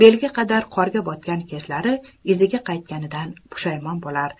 belga qadar qorga botgan kezlari iziga qaytganidan pushaymon bo'lar